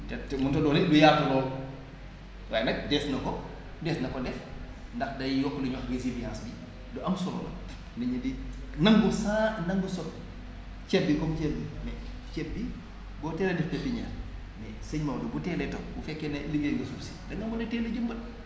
te te mënut a doon it lu yaatu lool waaye nag dees na ko dees na ko def ndax day yokku li ñuy wax résilience bi lu am solo la nit ñi di nangu sans nangu soppi ceeb bi comme ceeb bi mais ceeb bi boo teelee def pepinière mais sëñ Maodo bu teelee taw bu fekkee ne liggéey nga suuf si da ngaa war a teel a jëmbat